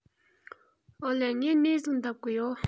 ཨོ ལེ ངས ནས ཟིག འདེབས གི ཡོད